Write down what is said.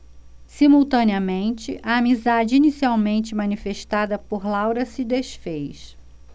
simultaneamente a amizade inicialmente manifestada por laura se disfez